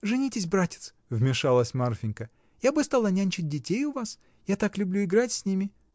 — Женитесь, братец, — вмешалась Марфинька, — я бы стала нянчить детей у вас. я так люблю играть с ними.